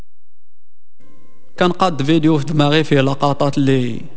تنقد فيديو في دماغي في الاطارات